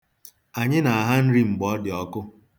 Anyị na-aha nri mgbe ọ dị ọkụ.